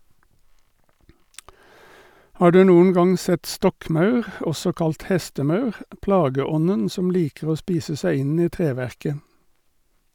Har du noen gang sett stokkmaur , også kalt hestemaur, plageånden som liker å spise seg inn i treverket?